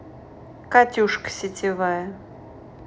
катюшка сетевая